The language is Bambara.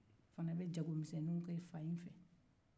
a fana bɛ jago minsɛnninw kɛ fa in fɛ